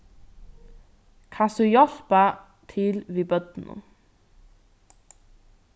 kanst tú hjálpa til við børnunum